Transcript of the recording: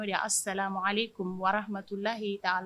Sa kun bɔratulayi la